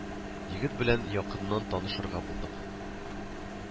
Егет белән якыннан танышырга булдык